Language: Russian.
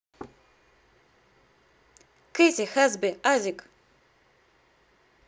kathy хасби азик